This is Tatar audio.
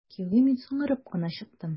Кияүгә мин соңарып кына чыктым.